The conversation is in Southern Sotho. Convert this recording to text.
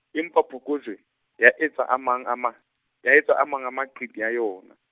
empa Phokojwe, ya etsa a mang a ma-, ya etsa a mang a maqiti a yona.